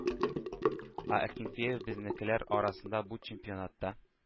Ә Акинфеев – безнекеләр арасында бу чемпионатта